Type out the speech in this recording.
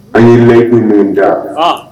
An ye bɛ u min da